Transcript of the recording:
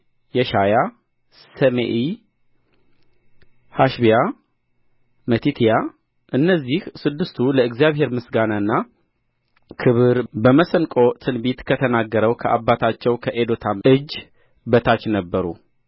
የሻያ ሰሜኢ ሐሸብያ መቲትያ እነዚህ ስድስቱ ለእግዚአብሔር ምስጋናና ክብር በመሰንቆ ትንቢት ከተናገረው ከአባታቸው ከኤዶታም እጅ በታች ነበሩ